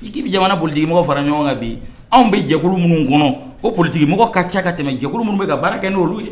i k'i bɛ jamana bolioli imɔgɔ fara ɲɔgɔn kan bi anw bɛ jɛkulu minnu kɔnɔ o politigimɔgɔ ka ca ka tɛmɛ jɛkolonkulu minnu bɛ ka baara kɛ n' olu